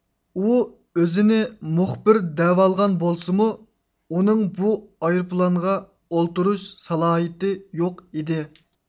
ئۇ ئۆزىنى مۇخبىر دەۋالغان بولسىمۇ ئۇنىڭ بۇ ئايروپىلانغا ئولتۇرۇش سالاھىيىتى يوق ئىدى